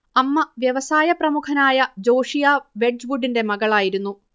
അമ്മ വ്യവസായപ്രമുഖനായ ജോഷിയാ വെഡ്ജ്വുഡിന്റെ മകളായിരുന്നു